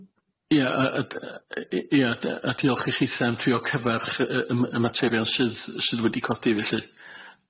Ia yy yd- yy yy ia d- yy diolch i chitha'n drio cyfarch yy yym y materion sydd- sydd wedi codi felly.